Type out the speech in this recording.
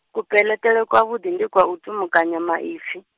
kupeleṱele kwavhuḓi ndi kwa u tumukanya maipfi.